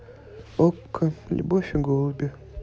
окко любовь и голуби